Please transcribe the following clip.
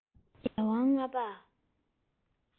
རྒྱལ དབང ལྔ པ